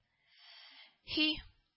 — һи